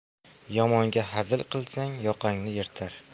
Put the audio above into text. yomonga hazil qilsang yoqangni yirtar